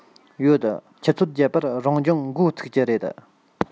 ཡོད ཆུ ཚོད བརྒྱད པར རང སྦྱོང འགོ ཚུགས ཀྱི རེད